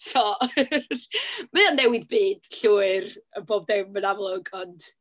So mae o'n newid byd llwyr yn bob dim yn amlwg, ond...